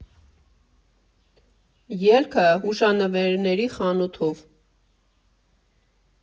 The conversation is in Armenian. Ելքը՝ հուշանվերների խանութով։